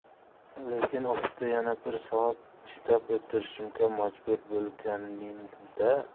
lekin ofisda yana bir soat chidab o'tirishga majbur bo'lganingda